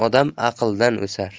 odam aqldan o'sar